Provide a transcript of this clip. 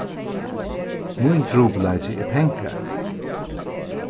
mín trupulleiki er pengar